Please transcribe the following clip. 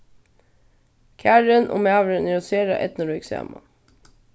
karin og maðurin eru sera eydnurík saman